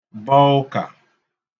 bọ ụkà